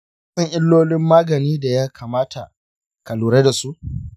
ka san illolin magani da ya kamata ka lura da su?